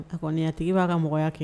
A kɔni a tigi b'a ka mɔgɔya kɛ